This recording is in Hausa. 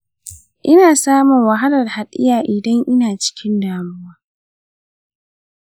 ina samun wahalar haɗiya idan ina cikin damuwa.